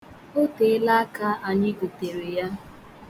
O teela aka anyị gotere ya.